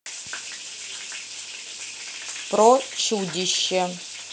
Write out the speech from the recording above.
про чудище